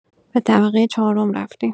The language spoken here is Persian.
به طبقۀ چهارم رفتیم.